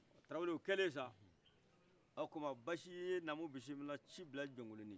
traore o kɛla sa o kuma basi ye namu bisimila ye ci bila jɔkoloni